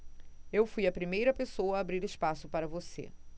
eu fui a primeira pessoa a abrir espaço para você